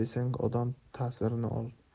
desang odam ta'sirini ol